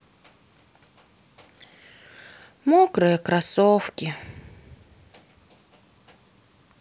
мокрые кроссовки